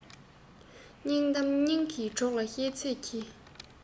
སྙིང གཏམ སྙིང གི གྲོགས ལ ཤོད ཚོད གྱིས